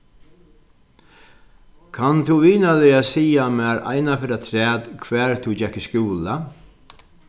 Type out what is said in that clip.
kanst tú vinarliga siga mær eina ferð afturat hvar tú gekk í skúla